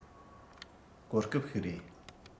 གོ སྐབས ཤིག རེད